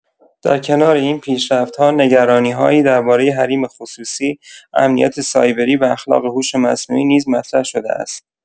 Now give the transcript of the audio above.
در کنار این پیشرفت‌ها، نگرانی‌هایی درباره حریم خصوصی، امنیت سایبری و اخلاق هوش مصنوعی نیز مطرح شده است.